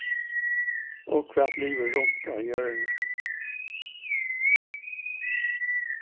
og hvat livir runt á jørðini